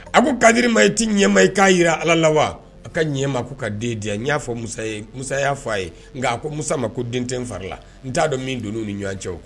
A ko kadi ma e tɛi ɲɛmaa ye k'a jira ala la wa a ka ɲɛ ma ko ka den diya n y'a fɔ musa ye musa y'a fɔ a ye nka a ko musa ma ko den den farila n t'a dɔn min don ni ɲɔgɔncɛ kuwa